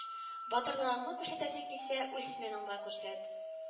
Батырлыгыңны күрсәтәсең килсә үз сменаңда күрсәт